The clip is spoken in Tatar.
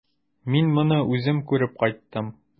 Мин моны үзем күреп кайттым.